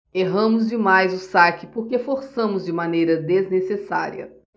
erramos demais o saque porque forçamos de maneira desnecessária